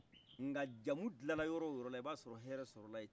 nga jamu dilanna yɔrɔyɔɔla iba sɔrɔlaye